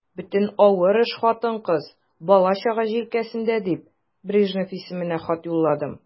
Бөтен авыр эш хатын-кыз, бала-чага җилкәсендә дип, Брежнев исеменә хат юлладым.